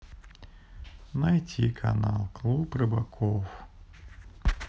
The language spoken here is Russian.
найти канал клуб рыбаков